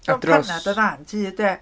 Cael panad yn dda yn tŷ de.